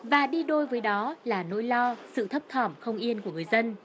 và đi đôi với đó là nỗi lo sự thấp thỏm không yên của người dân